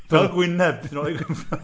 Fel gwyneb tu ôl i'r cynffon .